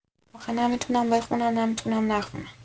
آخه نه می‌تونم بخونم نه می‌تونم نخونم